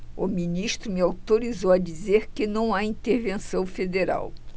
o ministro me autorizou a dizer que não há intervenção federal